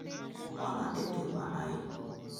Ọ na ekewa anyị.